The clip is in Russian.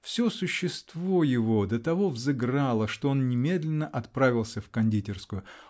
все существо его до того взыграло, что он немедленно отправился в кондитерскую